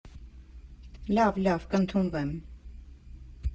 Լավ, լավ, կընդունվեմ։